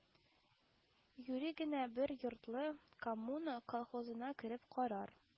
Юри генә бер йортлы «Коммуна» колхозына кереп карар